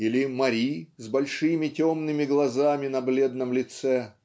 Или - Мари с большими темными глазами на бледном лице